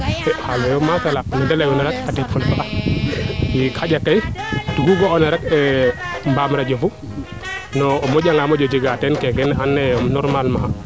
xaal fe i xanja kay ku ga oona rek mbamir a jofu o moƴa nga moƴo jegaa ten ke ando naye normalement